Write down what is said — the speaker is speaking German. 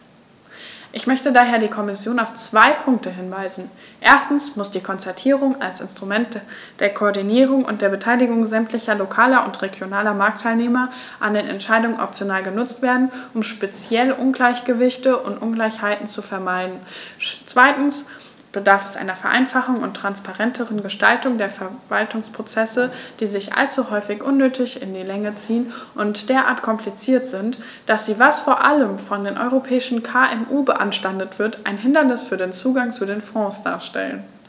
Ich möchte daher die Kommission auf zwei Punkte hinweisen: Erstens muss die Konzertierung als Instrument der Koordinierung und der Beteiligung sämtlicher lokaler und regionaler Marktteilnehmer an den Entscheidungen optimal genutzt werden, um speziell Ungleichgewichte und Ungleichheiten zu vermeiden; zweitens bedarf es einer Vereinfachung und transparenteren Gestaltung der Verwaltungsprozesse, die sich allzu häufig unnötig in die Länge ziehen und derart kompliziert sind, dass sie, was vor allem von den europäischen KMU beanstandet wird, ein Hindernis für den Zugang zu den Fonds darstellen.